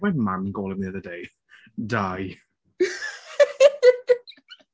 My mam call him the other day? Dai .